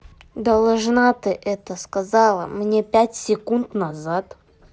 должна ты это сказала мне пять секунд назад